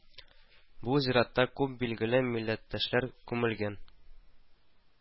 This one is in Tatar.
Бу зиратта күп билгеле милләттәшләр күмелгән